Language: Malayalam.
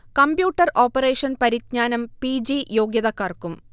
കംപ്യൂട്ടർ ഓപ്പറേഷൻ പരിജ്ഞാനം പി. ജി യോഗ്യതക്കാർക്കും